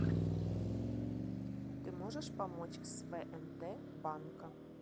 ты можешь помочь с внд банка